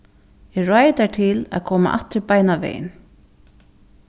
eg ráði tær til at koma aftur beinanvegin